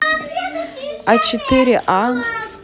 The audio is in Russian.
а четыре а